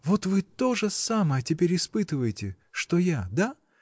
— Вот вы то же самое теперь испытываете, что я: да?